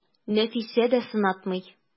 Нәфисә дә сынатмый.